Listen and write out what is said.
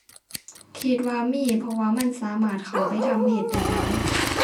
คิดว่ามี เพราะว่ามันสามารถเข้าไปทำเฮ็ดได้ง่าย